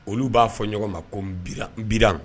Olu b'a fɔ ɲɔgɔn ma ko bi